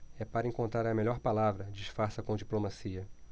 é para encontrar a melhor palavra disfarça com diplomacia